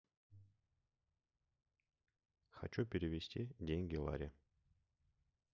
хочу перевести деньги ларе